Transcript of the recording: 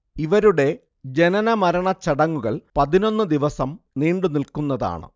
ഇവരുടെ ജനനമരണച്ചടങ്ങുകൾ പതിനൊന്ന് ദിവസം നീണ്ടു നില്‍ക്കുന്നതാണ്